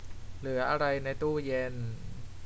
เหลืออะไรในตู้เย็น